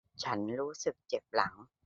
ฉันรู้สึกเจ็บหลัง